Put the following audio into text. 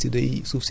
reen yi